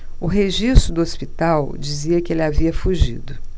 o registro do hospital dizia que ele havia fugido